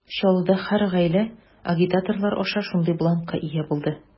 Чаллыда һәр гаилә агитаторлар аша шундый бланкка ия булды.